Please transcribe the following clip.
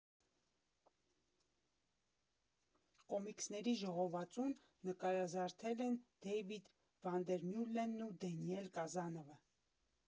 Կոմիքսների ժողովածուն նկարազարդել են Դեյվիդ Վանդերմյուլենն ու Դենիել Կազանավը։